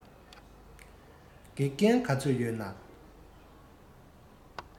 དགེ རྒན ག ཚོད ཡོད ན